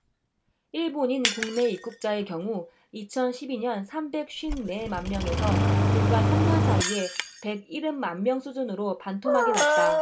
일본인 국내 입국자의 경우 이천 십 이 년 삼백 쉰 네 만명에서 불과 삼 년 사이에 백 일흔 만명 수준으로 반토막이 났다